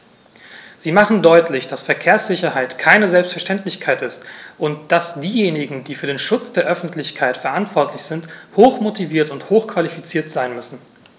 Sie machen deutlich, dass Verkehrssicherheit keine Selbstverständlichkeit ist und dass diejenigen, die für den Schutz der Öffentlichkeit verantwortlich sind, hochmotiviert und hochqualifiziert sein müssen.